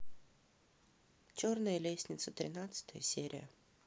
черная лестница тринадцатая серия